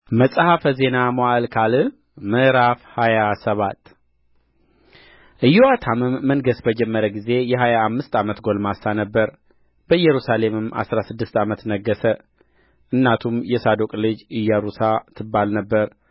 መጽሐፈ ዜና መዋዕል ካልዕ ምዕራፍ ሃያ ሰባት ኢዮአታምም መንገሥ በጀመረ ጊዜ የሀያ አምስት ዓመት ጕልማሳ ነበረ በኢየሩሳሌምም አሥራ ስድስት ዓመት ነገሠ እናቱም የሳዶቅ ልጅ ኢየሩሳ ትባል ነበር